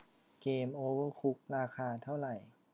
เกมโอเวอร์คุกราคาเท่าไหร่